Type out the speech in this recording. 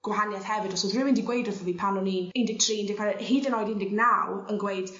gwahanieth hefyd os o'dd rywun 'di gweud wrtho fi pan o'n i un deg tri un deg pewer hyd yn oed un deg naw yn gweud